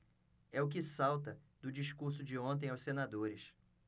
é o que salta do discurso de ontem aos senadores